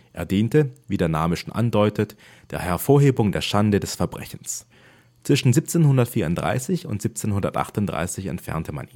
Er diente, wie der Name schon andeutet, der Hervorhebung der Schande des Verbrechens. Zwischen 1734 und 1738 entfernte man